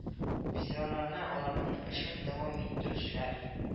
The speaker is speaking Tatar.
Ветераннарны аларның эшен дәвам иттерүчеләр